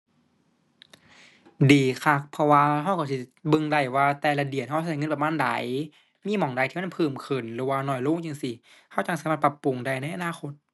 ดีคัก เพราะว่าเราเราสิเบิ่งได้ว่าแต่ละเดือนเราเราเงินประมาณใด มีหม้องใดที่มันเพิ่มขึ้นหรือว่าน้อยลงจั่งซี้ เราจั่งสามารถปรับปรุงได้ในอนาคต